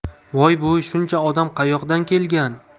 voy bu shuncha odam qayoqdan kelgan